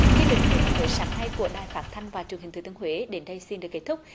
chương trình huế ngày mới sáng nay của đài phát thanh và truyền hình thừa thiên huế đến đây xin được kết thúc